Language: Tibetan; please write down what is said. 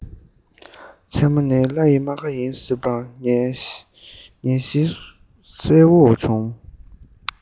མཚན མོ ནི ལྷ ཡི རྨ ཁ ཡིན ཟེར པར ངེས ཤེས གསལ བོ བྱུང